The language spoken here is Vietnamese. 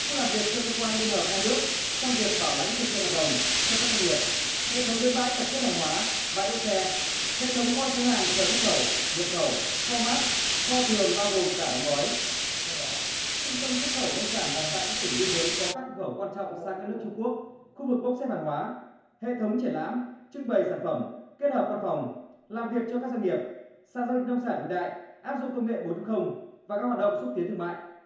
không làm việc cho cơ quan liên hợp hai nước trong việc bảo lãnh thực hiện hợp đồng cho các doanh nghiệp hệ thống bến bãi tập kết hàng hóa bãi đỗ xe hệ thống kho chứa hàng chờ xuất khẩu nhập khẩu kho mát kho thường bao gồm cả đóng gói theo đó trung tâm xuất khẩu nông sản đặt tại các tỉnh biên giới có các cửa khẩu quan trọng sang các nước trung quốc khu vực bốc xếp hàng hóa hệ thống triển lãm trưng bày sản phẩm kết hợp văn phòng làm việc cho các doanh nghiệp sàn giao dịch nông sản hiện đại áp dụng công nghệ bốn chấm không và các hoạt động xúc tiến thương mại